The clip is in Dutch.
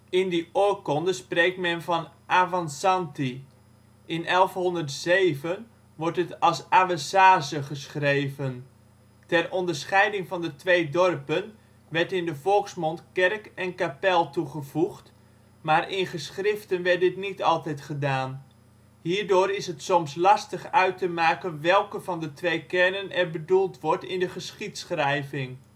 In die oorkonde spreekt men van Auansanti. In 1107 wordt het als Auesaze geschreven. Ter onderscheiding van de twee dorpen werd in de volksmond Kerk - en Kapel - toegevoegd, maar in geschriften werd dit niet altijd gedaan; hierdoor is het soms lastig uit te maken welke van de twee kernen er bedoeld wordt in de geschiedschrijving